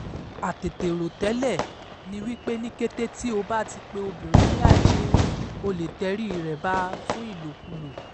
Àtètèròtẹ́lẹ̀ ni wípé ní kété tí o bá ti pe obìnrin ní àjẹ́, o lè tẹríi rẹ̀ ba fún ìlòkulò.